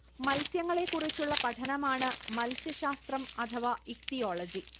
മത്സ്യങ്ങളെക്കുറിച്ചുള്ള പഠനമാണ് മത്സ്യശാസ്ത്രം അഥവാ ഇക്തിയോളജി